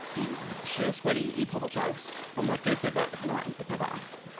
Ti'n trio sgwennu i pobl traws ond mae'r gynulleidfa hwnna yn eitha fach.